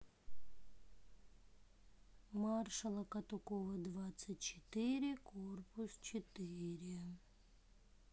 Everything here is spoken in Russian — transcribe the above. маршала катукова двадцать четыре корпус четыре